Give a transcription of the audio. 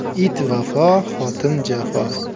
it vafo xotin jafo